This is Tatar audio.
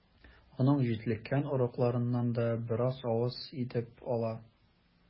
Аның җитлеккән орлыкларыннан да бераз авыз итеп ала.